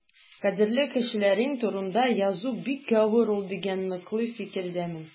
Кадерле кешеләрең турында язу бик авыр ул дигән ныклы фикердәмен.